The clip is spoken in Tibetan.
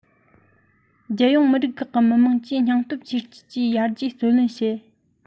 རྒྱལ ཡོངས མི རིགས ཁག གི མི དམངས ཀྱིས སྙིང སྟོབས ཆེར སྐྱེད ཀྱིས ཡར རྒྱས བརྩོན ལེན བྱེད